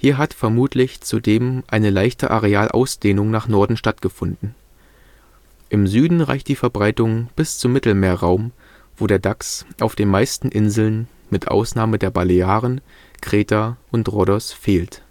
hat vermutlich zudem eine leichte Arealausdehnung nach Norden stattgefunden. Im Süden reicht die Verbreitung bis zum Mittelmeerraum, wo der Dachs auf den meisten Inseln mit Ausnahme der Balearen, Kreta und Rhodos fehlt